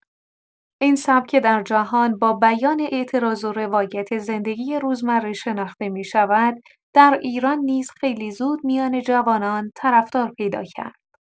این سبک که در جهان با بیان اعتراض و روایت زندگی روزمره شناخته می‌شود، در ایران نیز خیلی زود میان جوانان طرفدار پیدا کرد.